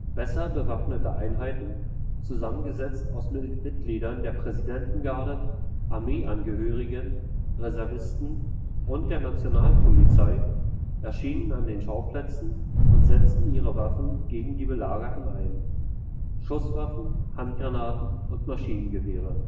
Besser bewaffnete Einheiten – zusammengesetzt aus Mitgliedern der Präsidentengarde, Armeeangehörigen, Reservisten und der Nationalpolizei – erschienen an den Schauplätzen und setzten ihre Waffen gegen die Belagerten ein: Schusswaffen, Handgranaten und Maschinengewehre